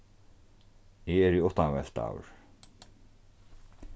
eg eri uttanveltaður